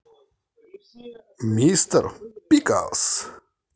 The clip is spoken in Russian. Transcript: мистер пиклз